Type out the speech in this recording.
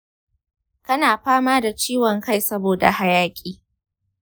kana fama da ciwon kai saboda hayaƙi?